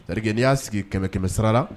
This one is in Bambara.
Ɛric ni y'a sigi kɛmɛ kɛmɛ sara la